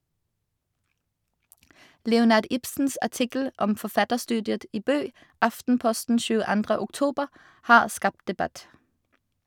Leonard Ibsens artikkel om forfatterstudiet i Bø (Aftenposten 22. oktober) har skapt debatt.